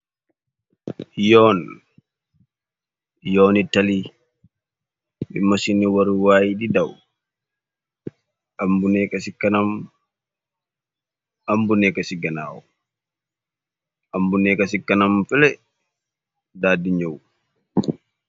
Yoon yooni tali bi mësi ni waru waay di daw. Ambu nekka si ganaaw ambu nekka ci kanam fele daad di ñëw.